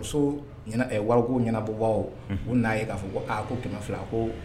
Muso waraku ɲɛnabɔbaw u n'a ye k'a fɔ ko aa ko kɛmɛ fila ko